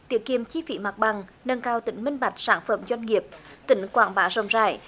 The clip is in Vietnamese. tiết kiệm chi phí mặt bằng nâng cao tính minh bạch sản phẩm doanh nghiệp tính quảng bá rộng rãi